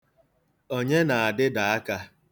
Onye na-adịda aka?